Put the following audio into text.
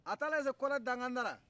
a taalen se kɔrɛ danganda la